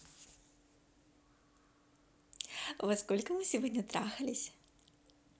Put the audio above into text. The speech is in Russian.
во сколько мы сегодня трахались